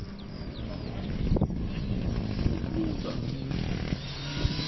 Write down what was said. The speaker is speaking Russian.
ну круто